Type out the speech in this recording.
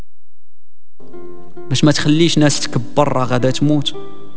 ليش ما تخليه شنو تتكبر اقعد تموت